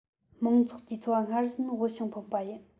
མང ཚོགས ཀྱི འཚོ བ སྔར བཞིན དབུལ ཞིང ཕོངས པ ཡིན